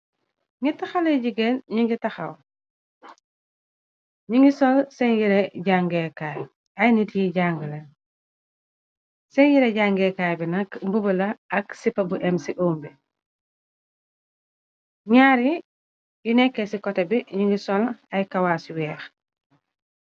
Nyeeta xale jigeen ñi ngi taxaw, ñi ngi sol seen yire jangekay ay nit jang leen, seen yire jangeekaay bi nakk mbubla ak sipa bu m ci umb , ñyaari yu nekkée ci koté bi ñi ngi sol ay kawaa ci weex.